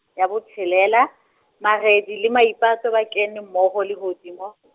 ya botshelela, Maredi le Maipato ba kene mmoho lehodimong.